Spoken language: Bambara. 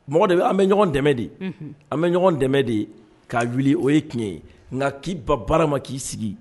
Mɔgɔ de an bɛ ɲɔgɔn dɛmɛ de an bɛ ɲɔgɔn dɛmɛ de k'a o ye tiɲɛ ye nka kiba baara ma k'i sigi